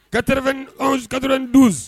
Kata katerɛrɛn dun